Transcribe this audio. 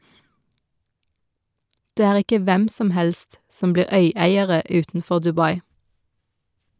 Det er ikke hvem som helst som blir øyeiere utenfor Dubai.